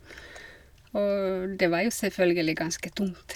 Og det var jo selvfølgelig ganske tungt.